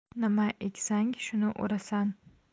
nima eksang shuni o'rasan